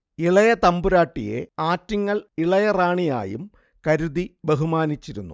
ഇളയ തമ്പുരാട്ടിയെ ആറ്റിങ്ങൽ ഇളയ റാണിയായും കരുതി ബഹുമാനിച്ചിരുന്നു